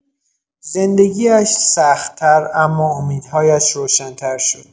زندگی‌اش سخت‌تر، اما امیدهایش روشن‌تر شد.